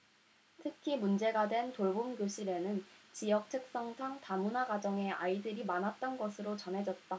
특히 문제가 된 돌봄교실에는 지역 특성상 다문화 가정의 아이들이 많았던 것으로 전해졌다